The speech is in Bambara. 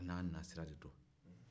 a n'a na sira de don